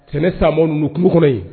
Sɛnɛ san ninnu tulo kɔnɔ yen